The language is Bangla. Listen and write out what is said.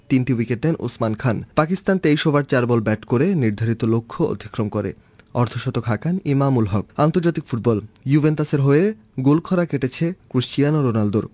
তিনটি উইকেট দেন Osman Khan Pakistan ৩০ over ৪ ball bat করে নির্ধারিত লক্ষ্য অতিক্রম অর্ধশতক হাকান ইমামুল হক আন্তর্জাতিক ফুটবল জুভেন্টাসের হয়ে গোলখরা কেটেছে ক্রিশ্চিয়ানো রোনালদোর